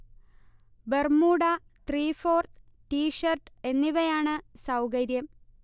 Bermuda, three fourth, T shirt എന്നിവയാണ് സൗകര്യം